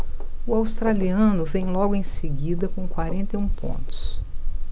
o australiano vem logo em seguida com quarenta e um pontos